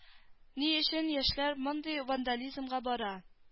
Ни өчен яшьләр мондый вандализмга бара